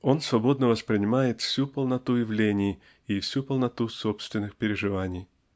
он свободно воспринимает всю полноту явлений и всю полноту собственных переживаний.